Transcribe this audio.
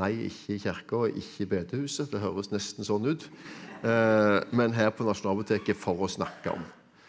nei ikke i kirken og ikke i bedehuset, det høres nesten sånn ut, men her på Nasjonalbiblioteket for å snakke om.